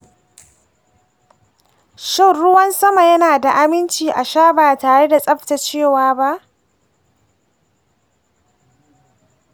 shin ruwan sama yana da aminci a sha ba tare da tsaftacewa ba?